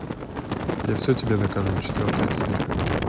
я все тебе докажу четвертая серия